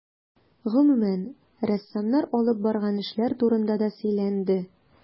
Гомүмән, рәссамнар алып барган эшләр турында да сөйләнде.